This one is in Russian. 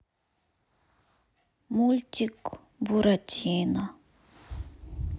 мультик буратино